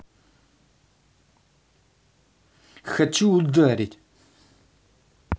хочу ударить